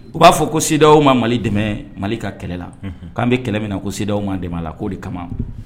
U b'a fɔ ko CEDEAO ma Mali dɛmɛ Mali ka kɛlɛla, unhun k'an bɛ kɛlɛ min na ko CEDEAO m'an dɛmɛ la k'o de kama